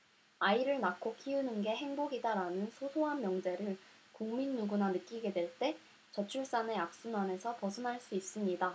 아이를 낳고 키우는 게 행복이다라는 소소한 명제를 국민 누구나 느끼게 될 때 저출산의 악순환에서 벗어날 수 있습니다